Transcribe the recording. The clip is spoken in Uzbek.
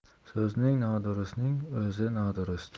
so'zi nodurustning o'zi nodurust